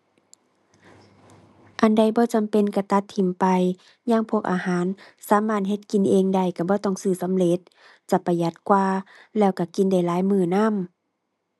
อันใดบ่จำเป็นก็ตัดถิ้มไป อย่างพวกอาหารสามารถเฮ็ดกินเองได้ก็บ่ต้องซื้อสำเร็จ จะประหยัดกว่าแล้วก็กินได้หลายมื้อนำ